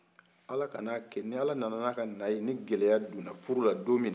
ala kana kɛ ni ala nana n'a ka na ye ni gɛlɛya donna furu la don min